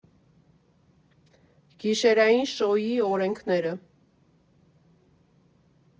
Գիշերային շոուի օրենքները։